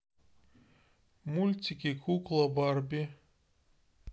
мультики кукла барби